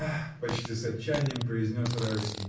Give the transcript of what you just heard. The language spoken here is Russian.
— почти с отчаянием произнес Райский.